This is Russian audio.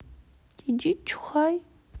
иди чухай